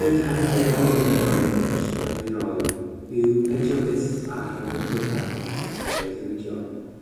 Y darn mwyaf o gyngor y gallaf ei roi yw peidio byth â rhoi'r gorau i'ch breuddwydion.